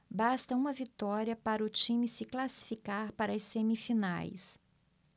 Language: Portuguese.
basta uma vitória para o time se classificar para as semifinais